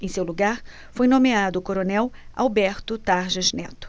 em seu lugar foi nomeado o coronel alberto tarjas neto